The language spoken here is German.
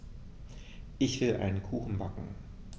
Ich will einen Kuchen backen.